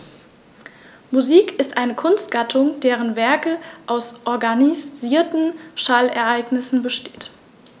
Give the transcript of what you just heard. Musik ist eine Kunstgattung, deren Werke aus organisierten Schallereignissen bestehen.